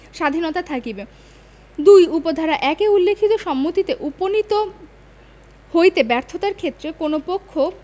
স্বাধীনতা থাকিবে ২ উপ ধারা ১ এ উল্লেখিত সম্মতিতে উপনীত হইতে ব্যর্থতার ক্ষেত্রে কোন পক্ষ